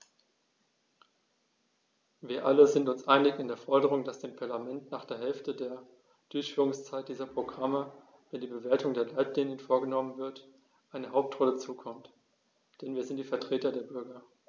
Wir alle sind uns einig in der Forderung, dass dem Parlament nach der Hälfte der Durchführungszeit dieser Programme, wenn die Bewertung der Leitlinien vorgenommen wird, eine Hauptrolle zukommt, denn wir sind die Vertreter der Bürger.